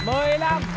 mười lăm